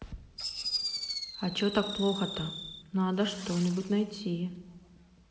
а че так плохо то надо что нибудь найти